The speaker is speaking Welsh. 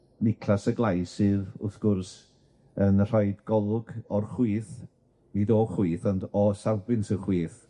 Niclas y Glais, sydd wrth gwrs yn rhoi golwg o'r chwith, nid o chwith ond o safbwynt y chwith.